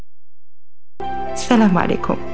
السلام عليكم